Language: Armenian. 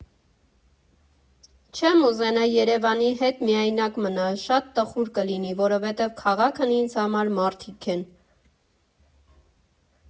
Չեմ ուզենա Երևանի հետ միայնակ մնալ, շատ տխուր կլինի, որովհետև քաղաքն ինձ համար մարդիկ են։